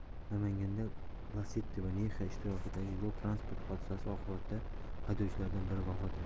namanganda lacetti va nexia ishtirokidagi yol transport hodisasi oqibatida haydovchilardan biri vafot etdi